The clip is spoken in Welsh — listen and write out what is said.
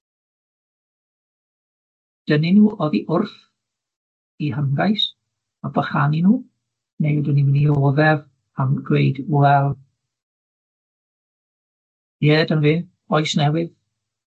dynnu nw oddi wrth 'u hangais a bychanu nw, neu ydyn ni'n mynd i oddef am gweud, wel ie, dyna fe, oes newydd.